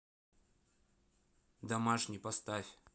домашний поставь